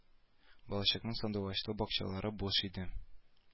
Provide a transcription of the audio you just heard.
Балачакның сандугачлы бакчалары буш инде